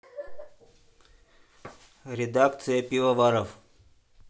редакция пивоваров